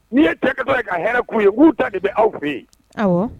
N'i ye dɛtɔ ye ka hɛrɛ kun ye k'u ta de bɛ aw fɛ yen